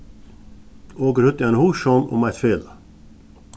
okur høvdu eina hugsjón um eitt felag